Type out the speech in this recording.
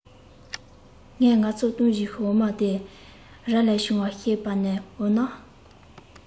ངས ང ཚོས བཏུང བྱའི འོ མ དེ ར ལས བྱུང བ ཤེས པས ན འོ ན